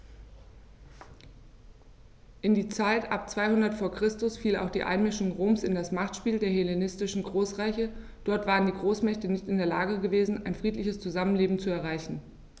In die Zeit ab 200 v. Chr. fiel auch die Einmischung Roms in das Machtspiel der hellenistischen Großreiche: Dort waren die Großmächte nicht in der Lage gewesen, ein friedliches Zusammenleben zu erreichen.